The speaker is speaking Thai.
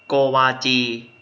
โกวาจี